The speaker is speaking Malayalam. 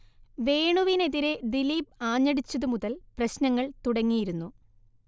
വേണുവിനെതിരെ ദിലീപ് ആഞ്ഞടിച്ചതു മുതൽ പ്രശ്നങ്ങൾ തുടങ്ങിയിരുന്നു